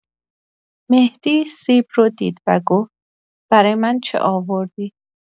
مهدی سیب رو دید و گفت: برای من چی آوردی؟